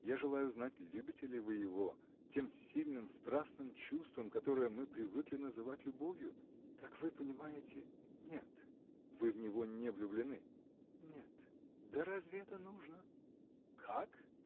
Я желаю знать, любите ли вы его тем сильным, страстным чувством, которое мы привыкли называть любовью? -- Как вы понимаете, -- нет. -- Вы в него не влюблены? -- Нет. Да разве это нужно? -- Как?